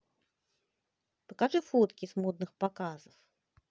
покажи фотки с модных показов